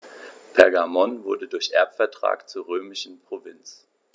Pergamon wurde durch Erbvertrag zur römischen Provinz.